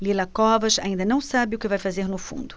lila covas ainda não sabe o que vai fazer no fundo